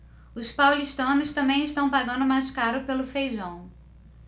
os paulistanos também estão pagando mais caro pelo feijão